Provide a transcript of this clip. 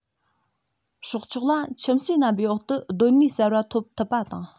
སྲོག ཆགས ལ ཁྱིམ གསོས རྣམ པའི འོག ཏུ གདོད ནུས གསར པ ཐོབ ཐུབ པ དང